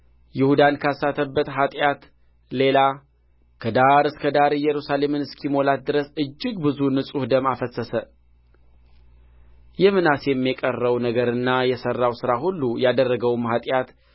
ይሁዳን ካሳተበት ኃጢአት ሌላ ከዳር እስከ ዳር ኢየሩሳሌምን እስኪሞላት ድረስ እጅግ ብዙ ንጹሕ ደም አፈሰሰ የምናሴም የቀረው ነገርና የሠራው ሥራ ሁሉ ያደረገውም ኃጢአት